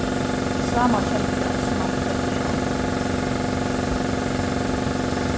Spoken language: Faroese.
sámal kendi tað sum hann fekk ikki andað